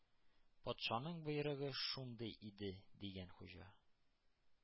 — патшаның боерыгы шундый иде,— дигән хуҗа.